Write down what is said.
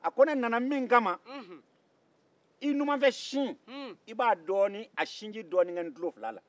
a ko ne nana min kama i numanfɛsin i b'a dɔɔnin a sinji dɔɔnin kɛ n tulo fila la